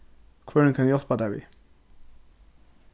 hvørjum kann eg hjálpa tær við